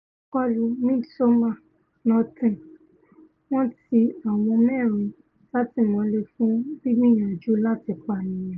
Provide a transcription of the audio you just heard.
Ìkọlù Midsomer Norton: wọn tì awon mẹ́rin ́sátìmọ́lé fún gbìgbìyànjú láti pànìyàn